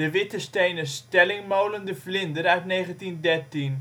Witte stenen stellingmolen " de Vlinder " (1913